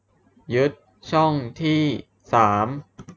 ยึดช่องที่สาม